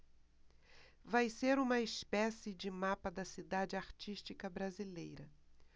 vai ser uma espécie de mapa da cidade artística brasileira